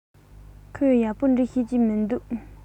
ཁོས ཡག པོ འབྲི ཤེས ཀྱི མིན འདུག